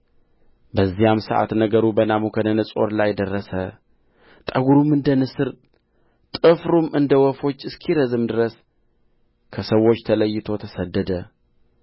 በዚያም ሰዓት ነገሩ በናቡከደነፆር ላይ ደረሰ ጠጕሩም እንደ ንስር ጥፍሩም እንደ ወፎች እስኪረዝም ድረስ ከሰዎች ተለይቶ ተሰደደ